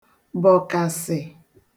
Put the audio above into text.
-bọ̀kasì